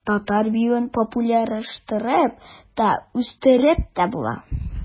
Татар биюен популярлаштырып та, үстереп тә була.